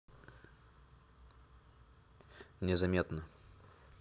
незаметно